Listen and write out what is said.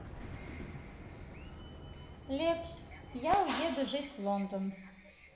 лепс я уеду жить в лондон